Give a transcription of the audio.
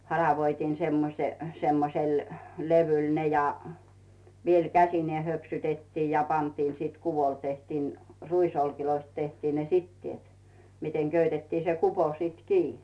haravoitiin semmoisen semmoisella levyllä ne ja vielä käsineen höpsytettiin ja pantiin sitten kuvolle tehtiin ruisoljista tehtiin ne siteet miten köytettiin se kupo sitten kiinni